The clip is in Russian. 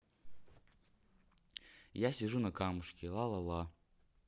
я сижу на камушке ла ла ла